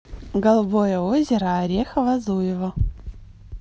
голубое озеро орехово зуево